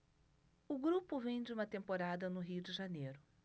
o grupo vem de uma temporada no rio de janeiro